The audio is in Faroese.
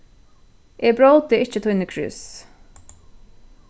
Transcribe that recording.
eg bróti ikki tíni krúss